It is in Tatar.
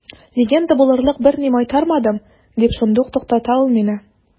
Легенда булырлык берни майтармадым, – дип шундук туктата ул мине.